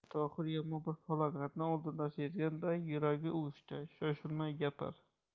tohir yomon bir falokatni oldindan sezganday yuragi uvushdi shoshilmay gapir